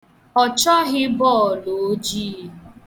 Ọ chọghị bọọlụ ojii.